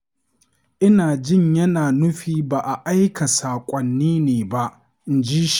“Ina jin yana nufi ba a aika sakonni ne ba,” inji shi.